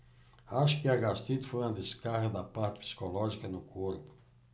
acho que a gastrite foi uma descarga da parte psicológica no corpo